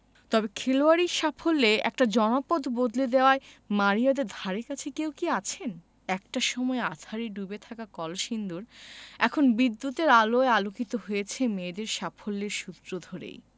তবে খেলোয়াড়ি সাফল্যে একটা জনপদ বদলে দেওয়ায় মারিয়াদের ধারেকাছে কেউ কি আছেন একটা সময়ে আঁধারে ডুবে থাকা কলসিন্দুর এখন বিদ্যুতের আলোয় আলোকিত হয়েছে মেয়েদের সাফল্যের সূত্র ধরেই